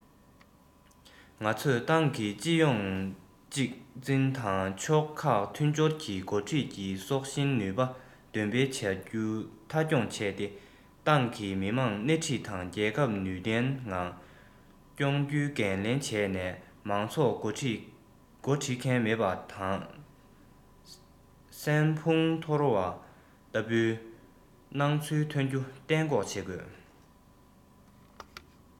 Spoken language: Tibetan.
ང ཚོས ཏང གི སྤྱི ཡོངས གཅིག འཛིན དང ཕྱོགས ཁག མཐུན སྦྱོར གྱི འགོ ཁྲིད ཀྱི སྲོག ཤིང ནུས པ འདོན སྤེལ བྱ རྒྱུ མཐའ འཁྱོངས བྱས ཏེ ཏང གིས མི དམངས སྣེ ཁྲིད དེ རྒྱལ ཁབ ནུས ལྡན ངང སྐྱོང རྒྱུའི འགན ལེན བྱས ནས མང ཚོགས འགོ འཁྲིད མཁན མེད པ དང སྲན ཕུང ཐོར བ ལྟ བུའི སྣང ཚུལ ཐོན རྒྱུ གཏན འགོག བྱེད དགོས